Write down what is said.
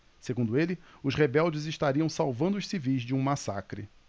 segundo ele os rebeldes estariam salvando os civis de um massacre